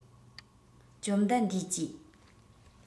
བཅོམ ལྡན འདས ཀྱིས